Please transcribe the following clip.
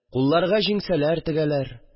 Кулларга җиңсәләр тегәләр